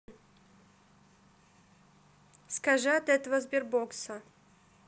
скажи от этого сбербокса